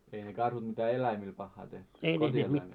ei ne karhut mitään eläimille pahaa tehnyt kotieläimille